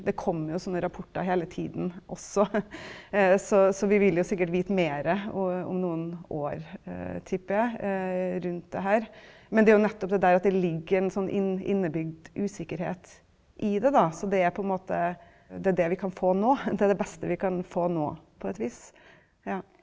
det kommer jo sånne rapporter hele tiden også så så vi vil jo sikkert vite mere og om noen år tipper jeg rundt det her, men det er jo nettopp det der at det ligger en sånn innebygd usikkerhet i det da så det er på en måte det er det vi kan få nå, det er det beste vi kan få nå på et vis ja.